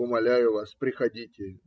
Умоляю вас, приходите.